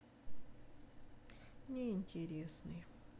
неинтересный